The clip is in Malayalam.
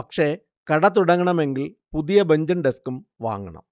പക്ഷെ കട തുടങ്ങണമെങ്കിൽ പുതിയ ബഞ്ചും ഡസ്ക്കും വാങ്ങണം